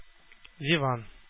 Диван